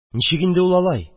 Ничек инде ул алай?